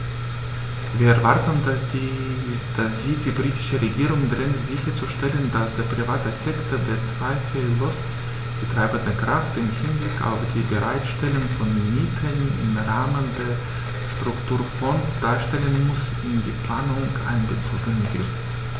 Wir erwarten, dass sie die britische Regierung drängt sicherzustellen, dass der private Sektor, der zweifellos die treibende Kraft im Hinblick auf die Bereitstellung von Mitteln im Rahmen der Strukturfonds darstellen muss, in die Planung einbezogen wird.